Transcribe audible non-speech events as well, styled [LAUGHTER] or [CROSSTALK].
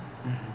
[HESITATION] [HESITATION]